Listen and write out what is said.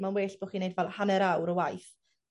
ma'n well bo' chi neud fel hanner awr o waith